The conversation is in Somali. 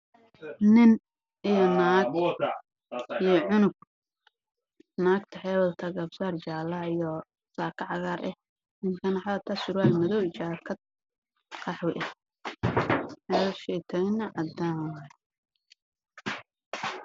Waa cunug yar iyo naag nin weyn